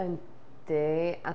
Yndy a...